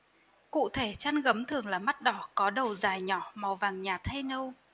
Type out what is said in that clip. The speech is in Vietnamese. cụ thể trăn gấm thường là mắt đỏ có đầu dài nhỏ màu vàng nhạt hay nâu